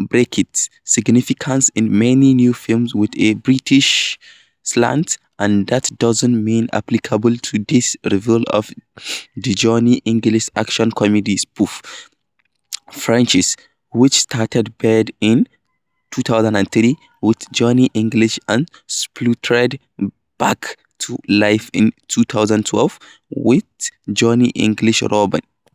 Brexit significances in any new film with a British slant and that does seem applicable to this revival of the Johnny English action-comedy spoof franchise - which started back in 2003 with Johnny English and spluttered back to life in 2011 with Johnny English Reborn.